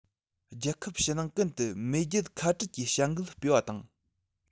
རྒྱལ ཁབ ཕྱི ནང ཀུན ཏུ མེས རྒྱལ ཁ བྲལ གྱི བྱ འགུལ སྤེལ བ དང